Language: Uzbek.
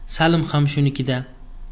salim xam shunikida